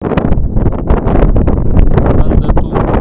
панда ту